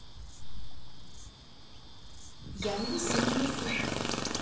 я в весеннем лесу